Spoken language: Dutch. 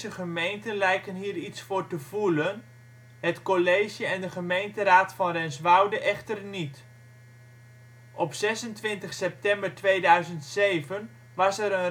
gemeenten lijken hier iets voor te voelen, het college en de gemeenteraad van Renswoude echter niet. Op 26 september 2007 was er een referendum